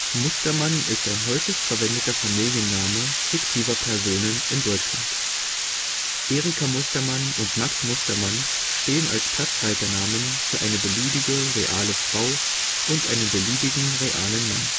Mustermann ist ein häufig verwendeter Familienname fiktiver Personen in Deutschland. Erika Mustermann und Max Mustermann stehen als Platzhalternamen für eine beliebige (reale) Frau und einen beliebigen (realen) Mann